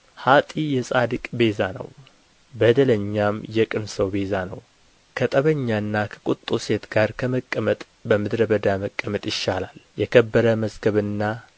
ኀጥእ የጻድቅ ቤዛ ነው በደለኛም የቅን ሰው ቤዛ ነው ከጠበኛና ከቍጡ ሴት ጋር ከመቀመጥ በምድረ በዳ መቀመጥ ይሻላል የከበረ መዝገብና